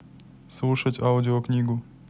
слушать аудиокнигу